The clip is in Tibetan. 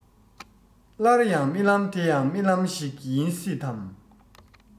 སླར ཡང རྨི ལམ དེ ཡང རྨི ལམ ཞིག ཡིན སྲིད དམ